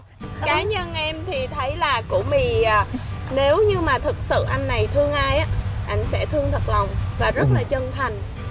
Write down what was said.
cá nhân em thì thấy là củ mì nếu như mà thực sự anh này thương ai ấy anh sẽ thương thật lòng và rất là chân thành